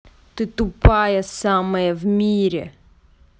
ты тупая самое в мире